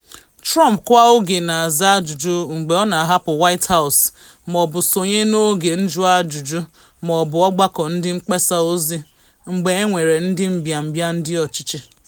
Trump kwa oge na aza ajụjụ mgbe ọ na ahapụ White House ma ọ bụ sonye n’oge njụajụjụ ma ọ bụ ọgbakọ ndị mgbasa ozi mgbe enwere ndị mbịambịa ndị ọchịchị.